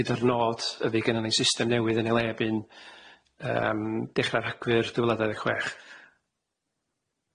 gyda'r nod fy gynnon ni system newydd yn y le bu'n yym dechra Rhagfyr dwy fil a dau ddeg chwech.